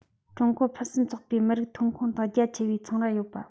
ཀྲུང གོར ཕུན སུམ ཚོགས པའི མི ཤུགས ཐོན ཁུངས དང རྒྱ ཆེ བའི ཚོང ར ཡོད པ